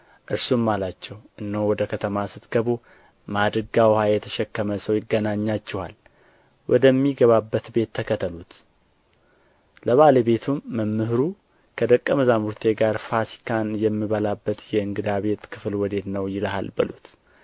እርሱም አላቸው እነሆ ወደ ከተማ ስትገቡ ማድጋ ውኃ የተሸከመ ሰው ይገናኛችኋል ወደ ሚገባበት ቤት ተከተሉት ለባለቤቱም መምህሩ ከደቀ መዛሙርቴ ጋር ፋሲካን የምበላበት የእንግዳ ቤት ክፍል ወዴት ነው ይልሃል በሉት